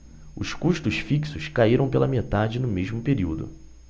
os custos fixos caíram pela metade no mesmo período